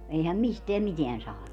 eihän mistään mitään saanut